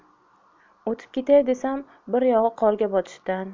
o'tib ketay desam bir yog'i qorga botishdan